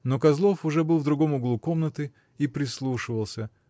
Но Козлов уже был в другом углу комнаты и прислушивался.